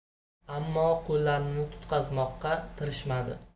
ammo qo'llarini qutqazmoqqa tirishmadi